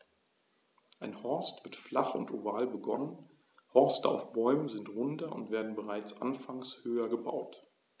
Ein Horst wird flach und oval begonnen, Horste auf Bäumen sind runder und werden bereits anfangs höher gebaut.